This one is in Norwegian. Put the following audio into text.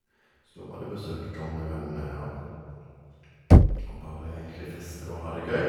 Så da var det besøke gamle venner og og bare egentlig feste og ha det gøy.